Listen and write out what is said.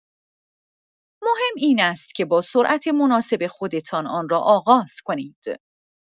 مهم این است که با سرعت مناسب خودتان آن را آغاز کنید.